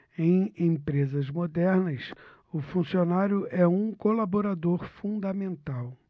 em empresas modernas o funcionário é um colaborador fundamental